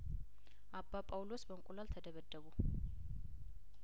አባ ጳውሎስ በእንቁላል ተደበደቡ